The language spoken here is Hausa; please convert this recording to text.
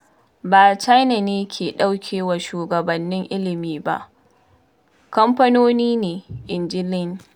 “Ba China ne ke ɗaukewa shugabannin ilmi ba; kamfanoni ne,” inji Lee.